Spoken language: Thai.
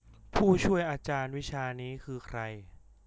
ผู้ช่วยอาจารย์วิชานี้คือใคร